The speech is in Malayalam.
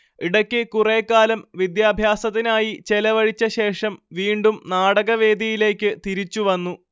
ഇടയ്ക്ക് കുറേക്കാലം വിദ്യാഭ്യാസത്തിനായി ചെലവഴിച്ചശേഷം വീണ്ടും നാടകവേദിയിലേക്ക് തിരിച്ചുവന്നു